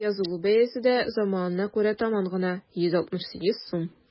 Язылу бәясе дә заманына күрә таман гына: 168 сум.